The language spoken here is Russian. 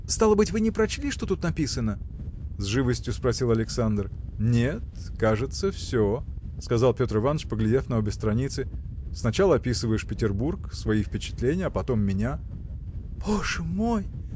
– Стало быть, вы не прочли, что тут написано? – с живостью спросил Александр. – Нет кажется все – сказал Петр Иваныч поглядев на обе страницы – сначала описываешь Петербург свои впечатления а потом меня. – Боже мой!